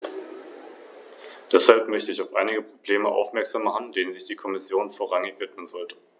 Dennoch freue ich mich, dass manche der grundlegenden Rechte der Verordnung für Fahrgäste gelten, die über eine kürzere Entfernung reisen.